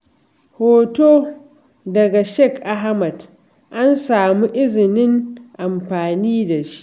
Hoto daga Shakil Ahmed, an samu izinin amfani da shi.